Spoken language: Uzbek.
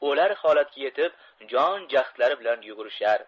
o'lar holatga yetib jon jahdlari bilan yugurishar